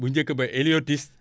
bu njëkk ba héliotis